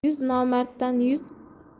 yuz nomarddan yuz qaytar